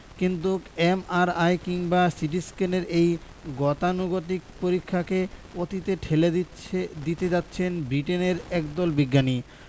কিন্তু এমআরআই কিংবা সিটিস্ক্যানের এই গতানুগতিক পরীক্ষাকে অতীতে ঠেলে দিচ্ছে দিতে যাচ্ছেন ব্রিটেনের একদল বিজ্ঞানী